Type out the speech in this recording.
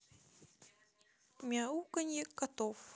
мяуканье котов